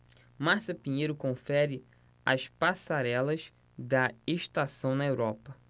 márcia pinheiro confere as passarelas da estação na europa